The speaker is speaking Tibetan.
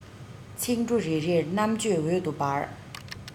ཚིག འབྲུ རེ རེར རྣམ དཔྱོད འོད དུ འབར